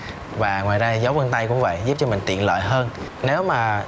và ngoài ra dấu vân tay cũng vậy giúp cho mình tiện lợi hơn nếu mà